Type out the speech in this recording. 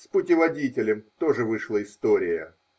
С путеводителем тоже вышла история.